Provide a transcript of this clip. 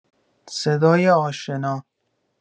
صدای آشنا